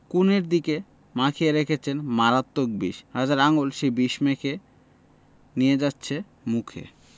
কোণের দিকে মাখিয়ে রেখেছিলেন মারাত্মক বিষ রাজার আঙুল সেই বিষ মেখে নিয়ে যাচ্ছে মুখে